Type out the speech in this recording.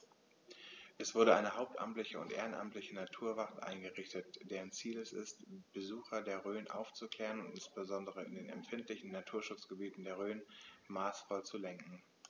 Es wurde eine hauptamtliche und ehrenamtliche Naturwacht eingerichtet, deren Ziel es ist, Besucher der Rhön aufzuklären und insbesondere in den empfindlichen Naturschutzgebieten der Rhön maßvoll zu lenken.